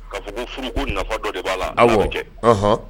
Ka fɔ furu nafa dɔ de b'a aw'o kɛɔn